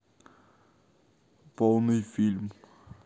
полный фильм